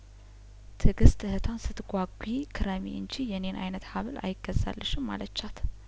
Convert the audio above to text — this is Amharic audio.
ትግስት እህቷን ስትጓጉ ክረሚ እንጂ የኔን አይነት ሀብል አይገዛልሽም አለቻት